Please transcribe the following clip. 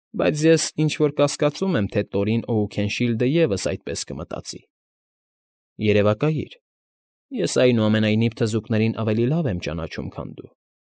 Բայց ես ինչ֊որ կասկածում եմ, թե Տորին Օուքենշիլդը ևս այդպես կմտածի… Երևակայիր, ես, այնուամենայնիվ, թզուկներին ավելի լավ եմ ճանաչում, քան դու։